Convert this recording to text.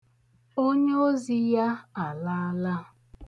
Onyeozi ya alaala.